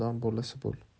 odam bolasi bo'l